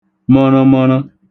mə̣ṙə̣mə̣ṙə̣